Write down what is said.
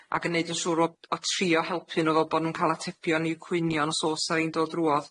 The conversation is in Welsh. ac yn neud yn siŵr fod o trio helpu nw fel bo' nw'n ca'l atebion i'w cwynion os o's 'a rei'n dod drwodd.